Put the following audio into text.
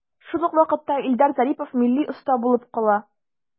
Шул ук вакытта Илдар Зарипов милли оста булып кала.